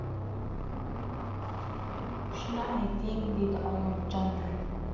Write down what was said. shuni ayting dedi oyim jonlanib